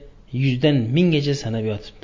yuzdan minggacha sanab yotibdi